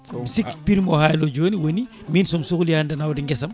mbi sikki prix mo haali o joni woni min somi sohli hande nawde guesam